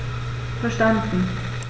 Verstanden.